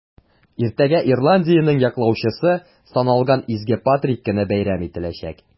Иртәгә Ирландиянең яклаучысы саналган Изге Патрик көне бәйрәм ителәчәк.